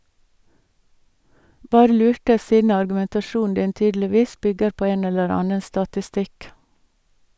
Bare lurte, siden argumentasjonen din tydeligis bygger på en eller annen statistikk.